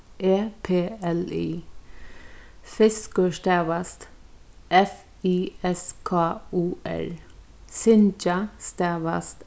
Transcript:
e p l i fiskur stavast f i s k u r syngja stavast